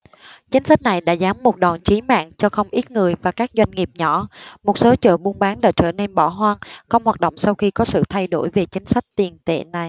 chính sách này đã giáng một đòn chí mạng cho không ít người và các doanh nghiệp nhỏ một số chợ buôn bán đã trở nên bỏ hoang không hoạt động sau khi có sự thay đổi về chính sách tiền tệ này